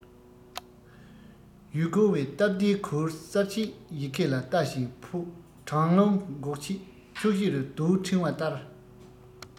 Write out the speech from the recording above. ཡུལ སྐོར བའི སྟབས བདེའི གུར གསལ བཤད ཡི གེ ལ ལྟ བཞིན ཕུབ གྲང རླུང འགོག ཆེད ཕྱོགས བཞི རུ རྡོའི ཕྲེང བ བསྟར